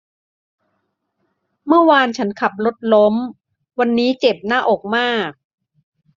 เมื่อวานฉันขับรถล้มวันนี้เจ็บหน้าอกมาก